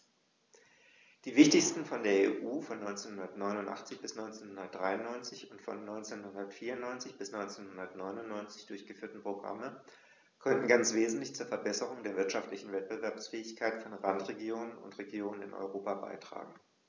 Die wichtigsten von der EU von 1989 bis 1993 und von 1994 bis 1999 durchgeführten Programme konnten ganz wesentlich zur Verbesserung der wirtschaftlichen Wettbewerbsfähigkeit von Randregionen und Regionen in Europa beitragen.